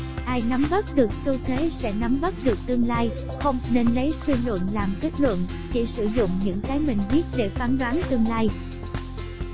ai nắm bắt được xu thế sẽ nắm bắt được tương lai không nên lấy suy luận làm kết luận chỉ sử dụng những cái mình biết để phán đoán tương lai